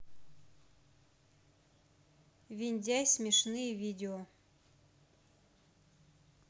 виндяй смешные видео